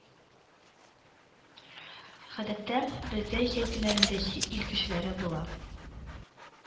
“гадәттә бездә җәй көннәрендә чит ил кешеләре була